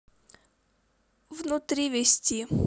внутри вести